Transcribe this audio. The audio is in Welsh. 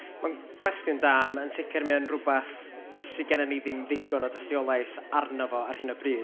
Mae'n gwestiwn da ma'... yn sicr mae o'n rwbath sy gennym ni ddim ddigon o dystiolaeth arno fo ar hyn o bryd.